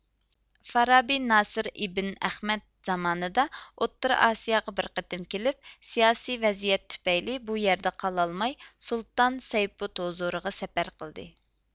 فارابى ناسىر ئىبن ئەخمەت زامانىدا ئوتتۇرا ئاسىياغا بىر قېتىم كىلىپ سىياسى ۋەزىيەت تۈپەيلى بۇ يەردە قالالماي سۇلتان سەيپۇد ھۇزۇرىغا سەپەر قىلدى